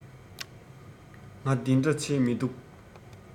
ང འདི འདྲ བྱེད མི འདུག